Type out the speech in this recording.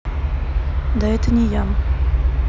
да это не я